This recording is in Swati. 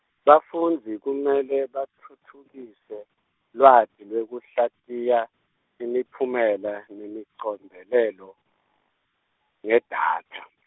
bafundzi kumele batfutfukise, lwati lwekuhlatiya, imiphumela, nemicombelelo, ngedatha.